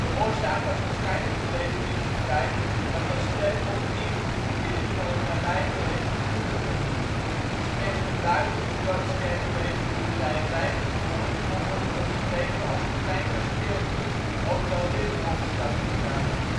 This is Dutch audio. oorzaak was waarschijnlijk gelegen in het feit, dat men sterk onder invloed verkeerde van het nabijgelegen Buren. Slechts de buiten de dorpskern gelegen boerderij Reygersfoort kon worden omschreven als een klein kasteeltje ook wel ridderhofstad genaamd. In